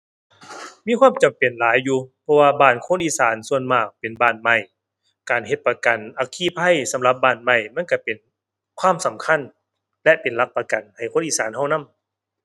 มีความจำเป็นหลายอยู่ เพราะว่าบ้านคนอีสานส่วนมากเป็นบ้านไม้การเฮ็ดประกันอัคคีภัยสำหรับบ้านไม้มันก็เป็นความสำคัญและเป็นหลักประกันให้คนอีสานก็นำ